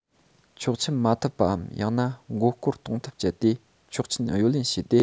ཆོག མཆན མ ཐོབ པའམ ཡང ན མགོ སྐོར གཏོང ཐབས སྤྱད ནས ཆོག མཆན གཡོ ལེན བྱས ཏེ